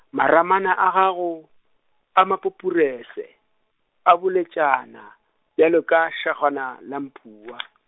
maramana a gago, a mapupuruse, a boletšana, bjalo ka segwana la mpua.